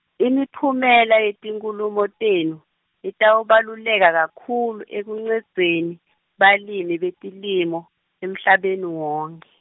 imiphumela yetinkhulumo tenu, itawubaluleka kakhulu ekuncendzeni , balirni betilimo, emhlabeni wonkhe.